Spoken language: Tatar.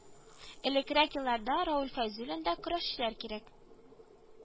Элеккерәк елларда Равил Фәйзуллин да Көрәшчеләр кирәк